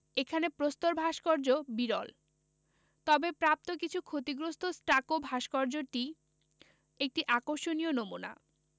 এখানে প্রস্তর ভাস্কর্য বিরল তবে প্রাপ্ত কিন্তু ক্ষতিগ্রস্ত স্টাকো ভাস্কর্যটি একটি আকর্ষণীয় নমুনা